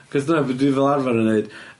...'cos 'ny be' dwi fel arfer yn neud